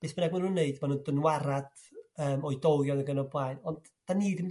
beth bynnag ma' nhw'n 'neud ma' nhw dynwarad yrm oedolion ag yn y blaen ond 'dan ni d'm...